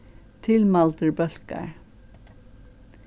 tilmældir bólkar